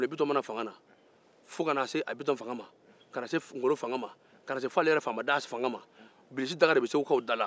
bilisi daga de bɛ segukaw da la kabini biton ma na fan ka biton na fanga na ka ŋolo na ka na se f'ale faama dah ma